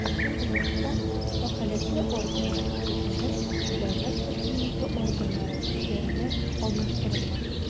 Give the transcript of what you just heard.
Алтынчы абзацта «вәкаләтле органнар» сүзләрен «дәүләт хакимияте органнары» сүзләренә алмаштырырга;